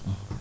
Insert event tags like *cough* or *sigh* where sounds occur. *hesitation* *hesitation*